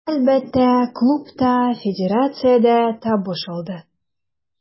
Әлбәттә, клуб та, федерация дә табыш алды.